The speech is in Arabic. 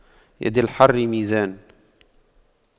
يد الحر ميزان